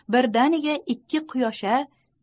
birdaniga ikkita quyosh a